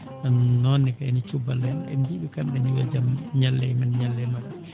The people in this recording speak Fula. o noon ne kayne thioubbalo en en mbiyii ɓe kamɓe ne yo jaam ñallu e men ñalla e maɓɓe